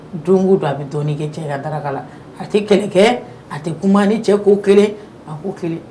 Don o don a bɛ dɔɔnin kɛ cɛ ka daraka la, a tɛ kɛlɛ kɛ, a tɛ kuma ni cɛ ko kelen a ko kelen